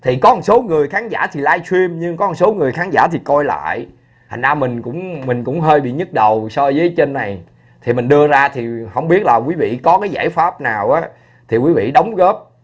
thì có một số người khán giả thì lai trim nhưng có một số người khán giả thì coi lại thành ra mình cũng mình cũng hơi bị nhức đầu so với trên này thì mình đưa ra thì không biết là quý vị có cái giải pháp nào á thì quý vị đóng góp